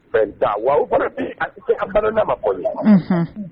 Fɛn da wa o fana be ye a te se a fana n'a ma kɔli unhun